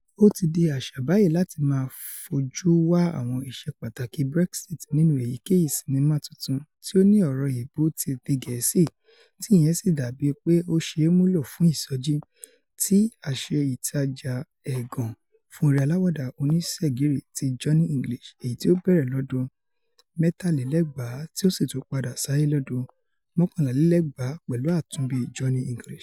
O tí di àṣà báyìí láti máa fojú wa àwọn ìṣepàtàki Brexit nínú èyíkéyìí sinnima tuntun tí ó ní ọ̀rọ̀ èébú ti èdè Gẹ̀ẹ́sìti ìyẹn sì dàbí pé ó ṣ̵̵eé múlò fún ìsọjí ti àṣẹ-ìtaja ẹ̀gàn fún eré aláwàdà-oníṣegírí ti Johnny English - èyití o bẹ̀rẹ̀ lọ́dún 2003 ţí ó sì tún padà s'áyé lọ́dún 2011 pẹ̀lú Àtúnbi Johnny English.